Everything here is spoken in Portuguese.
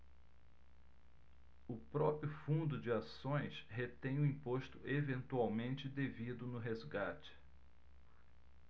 o próprio fundo de ações retém o imposto eventualmente devido no resgate